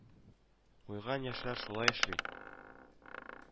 Куйган яшьләр шулай эшли